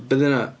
Be 'di hynna?